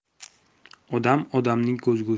odam odamning ko'zgusi